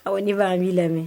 Awɔ ne ba an b'i lamɛn